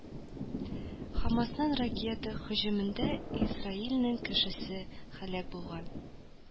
Хәмасның ракета һөҗүмендә Израильнең кешесе хәлак булган